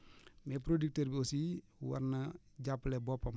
mais producteur bi aussi war na jàppale boppam